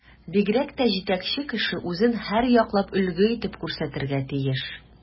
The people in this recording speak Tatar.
Бигрәк тә җитәкче кеше үзен һәрьяклап өлге итеп күрсәтергә тиеш.